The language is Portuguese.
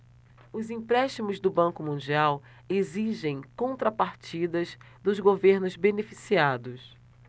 os empréstimos do banco mundial exigem contrapartidas dos governos beneficiados